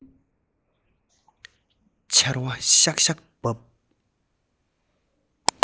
ཆར བ ཤག ཤག འབབ